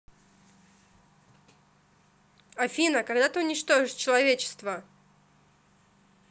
афина когда ты уничтожишь человечество